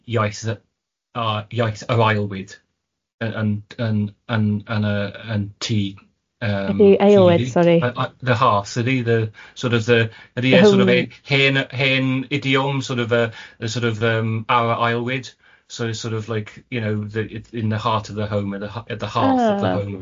iaith yy iaith yr ailwyd yn yn yn yn y yn tŷ yym... Be di aelwyd sori? ...yy yy the hearth ydy the sort of the ydy e sort of hen hen idiom sort of yy y sort of yym ara ailwyd so it's sort of like you know the it's in the heart of the home and the ho- the hearth of the home... O.